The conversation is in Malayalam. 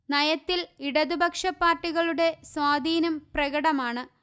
നയത്തില് ഇടതുപക്ഷ പാര്ട്ടികളുടെ സ്വാധീനം പ്രകടമാണ്